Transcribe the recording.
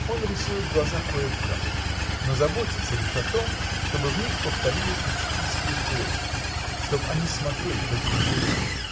Он рисует глаза кое-как, но заботится лишь о том, чтобы в них повторились учительские точки, чтоб они смотрели точно живые.